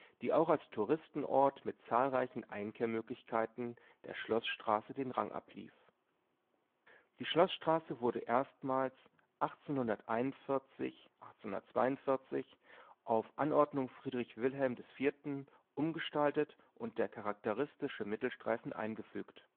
die auch als Touristenort mit zahlreichen Einkehrmöglichkeiten der Schloßstraße den Rang ablief. Die Schloßstraße wurde erstmals 1841 – 1842 auf Anordnung Friedrich Wilhelm IV. umgestaltet und der charakteristische Mittelstreifen eingefügt